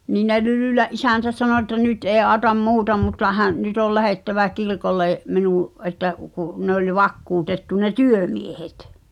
niin ne Lylylän isäntä sanoi että nyt ei auta muuta mutta - nyt oli lähdettävä kirkolle minun että kun ne oli vakuutettu ne työmiehet